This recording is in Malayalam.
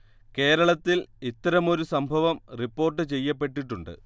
കേരളത്തിൽ ഇത്തരമൊരു സംഭവം റിപ്പോർട്ട് ചെയ്യപ്പെട്ടിട്ടുണ്ട്